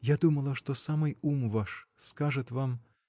Я думала, что самый ум ваш скажет вам.